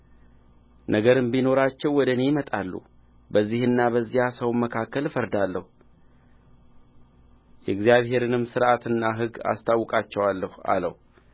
ነገርም ቢኖራቸው ወደ እኔ ይመጣሉ በዚህና በዚያ ሰውም መካከል እፈርዳለሁ የእግዚአብሔርንም ሥርዓትና ሕግ አስታውቃቸዋለሁ አለው